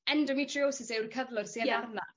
endometriosis yw'r cyflwr sy yn arna.